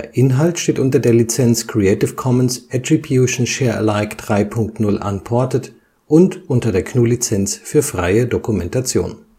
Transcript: Inhalt steht unter der Lizenz Creative Commons Attribution Share Alike 3 Punkt 0 Unported und unter der GNU Lizenz für freie Dokumentation